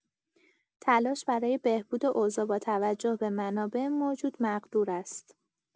تلاش برای بهبود اوضاع با توجه به منابع موجود مقدور است.